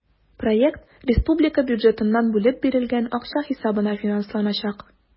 Проект республика бюджетыннан бүлеп бирелгән акча хисабына финансланачак.